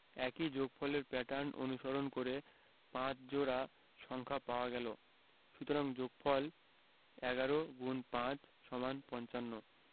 একই যোগফলের প্যাটার্ন অনুসরণ করে ৫ জোড়া সংখ্যা পাওয়া গেল সুতরাং যোগফল ১১*৫=৫৫